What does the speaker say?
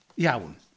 Iawn.